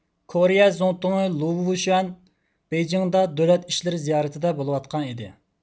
كورىيە زۇڭتۇڭى لۇۋۇشۈەن بېيجىڭدا دۆلەت ئىشلىرى زىيارىتىدە بولۇۋاتقان ئىدى